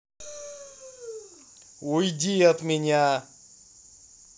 уйди от меня